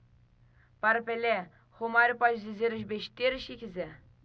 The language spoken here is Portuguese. para pelé romário pode dizer as besteiras que quiser